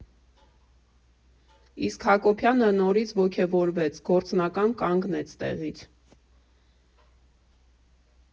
Իսկ Հակոբյանը նորից ոգևորվեց, գործնական կանգնեց տեղից։